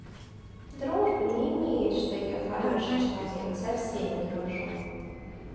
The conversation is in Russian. дружба не имеет что я хороший человек со всеми дружу